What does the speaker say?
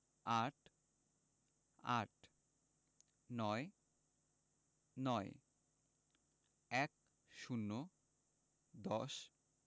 ৮ - আট ৯ - নয় ১০ – দশ